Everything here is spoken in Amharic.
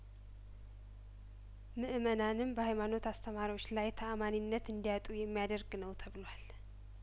ምእመናንም በሀይማኖት አስተማሪዎች ላይ ተአማኒነት እንዲያጡ የሚያደረግ ነው ተብሏል